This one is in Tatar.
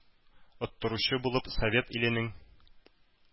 Оттыручы булып, совет иленең,